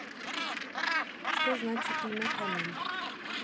что значит имя камиль